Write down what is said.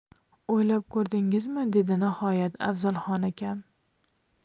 o'ylab ko'rdingizmi dedi nihoyat afzalxon akam